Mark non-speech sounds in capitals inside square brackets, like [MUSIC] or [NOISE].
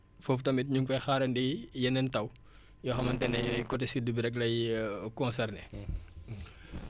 foofu tamit ñu ngi fay xaarandi yeneen taw yoo xamante ne côté sud bi rek lay [HESITATION] concerner